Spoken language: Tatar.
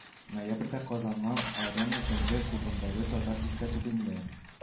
Ноябрьдә казаннын арена төнге клубындагы татар дискәтүгендә